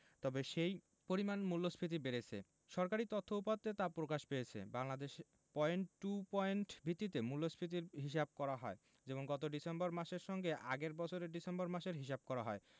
তবে সেই পরিমাণ মূল্যস্ফীতি বেড়েছে সরকারি তথ্য উপাত্তে তা প্রকাশ পেয়েছে বাংলাদেশে পয়েন্ট টু পয়েন্ট ভিত্তিতে মূল্যস্ফীতির হিসাব করা হয় যেমন গত ডিসেম্বর মাসের সঙ্গে আগের বছরের ডিসেম্বর মাসের হিসাব করা হয়